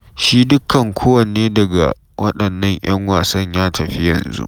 Shi dukkan kowane daga waɗannan ‘yan wasan ya tafi yanzu.